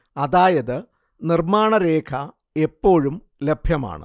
അതായത് നിർമ്മാണരേഖ എപ്പോഴും ലഭ്യമാണ്